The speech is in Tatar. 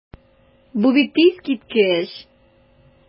Бу бит искиткеч!